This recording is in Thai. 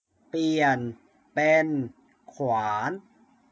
เปลี่ยนเป็นขวาน